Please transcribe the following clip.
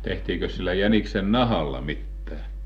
tehtiinkös sillä jäniksen nahalla mitään